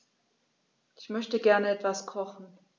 Ich möchte gerne etwas kochen.